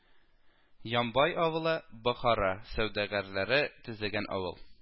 Ямбай авылы - Бохара сәүдәгәрләре төзегән авыл